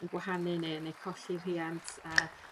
yn gwahanu ne' ne' colli rhiant a